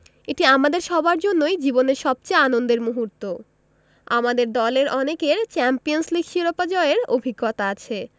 এটি আমাদের সবার জন্যই জীবনের সবচেয়ে আনন্দের মুহূর্ত আমাদের দলের অনেকের চ্যাম্পিয়নস লিগ শিরোপা জয়ের অভিজ্ঞতা আছে